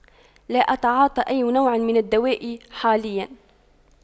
لا أتعاطى أي نوع من الدواء حاليا